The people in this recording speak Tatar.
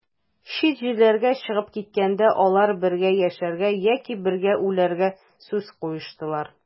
Чит җирләргә чыгып киткәндә, алар бергә яшәргә яки бергә үләргә сүз куештылар.